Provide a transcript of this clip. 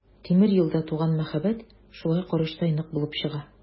Тимер юлда туган мәхәббәт шулай корычтай нык булып чыга.